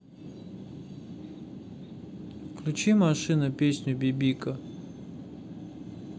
включи машина песню бибика